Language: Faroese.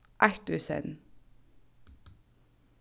eitt í senn